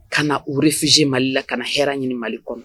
Ka na u refuger Mali la, ka na hɛrɛ ɲini Mali kɔnɔ